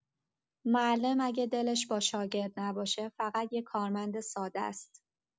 معلم اگه دلش با شاگرد نباشه، فقط یه کارمند ساده‌ست.